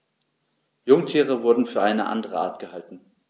Jungtiere wurden für eine andere Art gehalten.